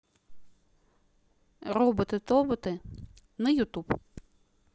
роботы тоботы на ютуб